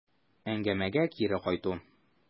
Әңгәмәгә кире кайту.